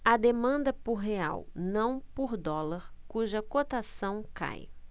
há demanda por real não por dólar cuja cotação cai